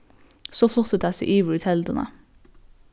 so flutti tað seg yvir í telduna